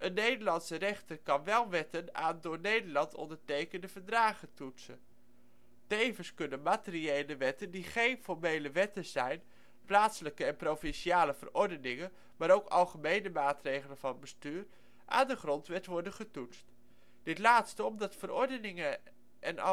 Nederlandse rechter kan wél wetten aan door Nederland ondertekende verdragen toetsen. Tevens kunnen materiële wetten die geen formele wetten zijn [plaatselijke en provinciale verordeningen, maar ook algemene maatregelen van bestuur (amvb 's)] aan de grondwet worden getoetst. Dit laatste omdat verordeningen en